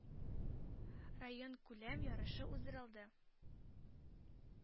Районкүләм ярышы уздырылды.